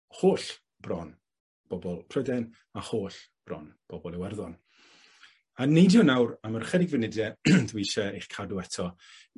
holl, bron, bobol Pryden, a holl, bron, bobol Iwerddon. A neidio nawr am yr ychydig funude dwi isie eich cadw eto